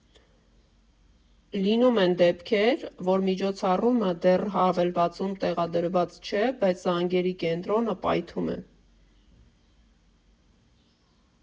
Լինում են դեպքեր, որ միջոցառումը դեռ հավելվածում տեղադրված չէ, բայց զանգերի կենտրոնը պայթում է.